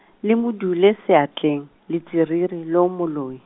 le mo dule seatleng, letsiriri, loo moloi.